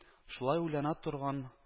– шулай уйлана торган